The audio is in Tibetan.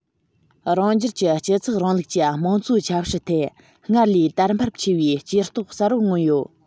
རང རྒྱལ གྱི སྤྱི ཚོགས རིང ལུགས ཀྱི དམངས གཙོའི ཆབ སྲིད ཐད སྔར ལས དར འཕེལ ཆེ བའི སྐྱེ སྟོབས གསལ པོར མངོན ཡོད